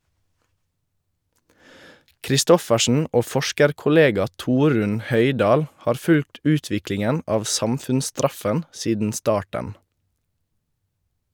Kristoffersen og forskerkollega Torunn Højdahl har fulgt utviklingen av samfunnsstraffen siden starten.